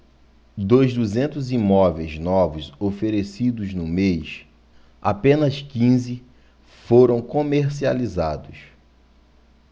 dos duzentos imóveis novos oferecidos no mês apenas quinze foram comercializados